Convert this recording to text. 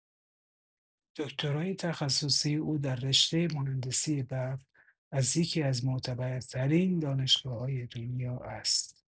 دکترای تخصصی او در رشته مهندسی برق از یکی‌از معتبرترین دانشگاه‌‌های دنیا است.